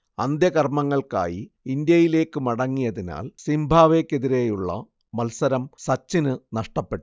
അന്ത്യകർമങ്ങൾക്കായി ഇന്ത്യയിലേക്ക് മടങ്ങിയതിനാൽ സിംബാബ്വേക്കെതിരേയുള്ള മത്സരം സച്ചിന് നഷ്ടപ്പെട്ടു